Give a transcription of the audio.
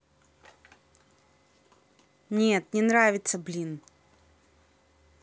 нет не нравится блин